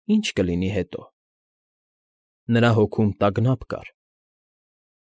Ի՞նչ կլինի հետո… նրա հոգում տագնապ կար։